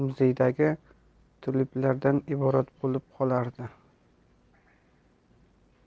yillarda muzeylardagi tuluplardan iborat bo'lib qolardi